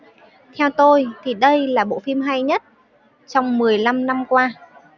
theo tôi thì đây là bộ phim hay nhất trong mười lăm năm qua